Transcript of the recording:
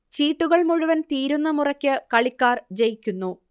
ചീട്ടുകൾ മുഴുവൻ തീരുന്ന മുറയ്ക്ക് കളിക്കാർ ജയിക്കുന്നു